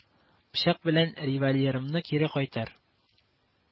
Пычак белән револьверымны кире кайтар